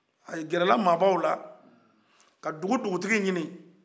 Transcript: a gɛrɛla maabaw la ka dugu dugutigi ɲini